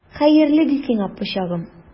Хәерле ди сиңа, пычагым!